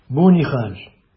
Бу ни хәл!